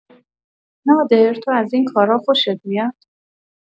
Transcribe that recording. نادر، تو از این کارها خوشت میاد؟